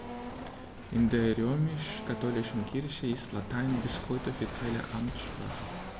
In der römisch-katholischen Kirche ist Latein bis heute offizielle Amtssprache.